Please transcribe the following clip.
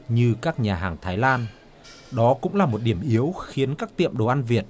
như các nhà hàng thái lan đó cũng là một điểm yếu khiến các tiệm đồ ăn việt